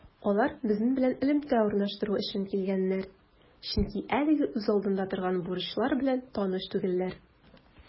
Алар безнең белән элемтә урнаштыру өчен килгәннәр, чөнки әлегә үз алдында торган бурычлар белән таныш түгелләр.